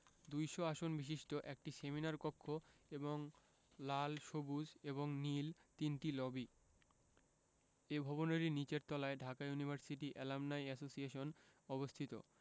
২০০ আসন বিশিষ্ট একটি সেমিনার কক্ষ এবং লাল সবুজ এবং নীল তিনটি লবি এ ভবনেরই নিচের তলায় ঢাকা ইউনিভার্সিটি এলামনাই এসোসিয়েশন অবস্থিত